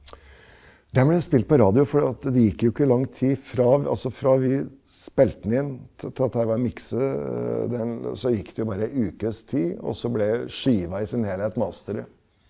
den ble jeg spilt på radio for det at det gikk jo ikke lang tid fra altså fra vi spilte den inn til at der her var mikse den, så gikk det jo bare ei ukes tid og så ble skiva i sin helhet mastret.